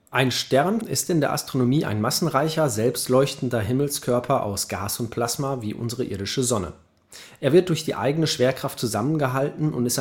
Ein Stern (lateinisch stella und astrum, ahd. sterno) ist in der Astronomie ein massereicher, selbstleuchtender Himmelskörper aus Gas und Plasma, wie unsere irdische Sonne. Er wird durch die eigene Schwerkraft zusammengehalten und